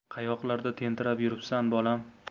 qayoqlarda tentirab yuribsan bolam